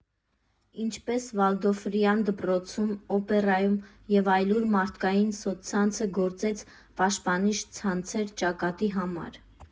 Ինչպես Վալդորֆյան դպրոցում, Օպերայում և այլուր մարդկային սոցցանցը գործեց պաշտպանիչ ցանցեր ճակատի համար։